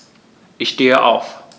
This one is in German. Ich stehe auf.